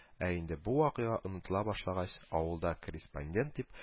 Ә инде бу вакыйга онытыла башлагач, авылда корреспондент дип